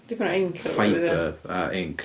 Dipyn o inc ynddo fo... Fiber a inc.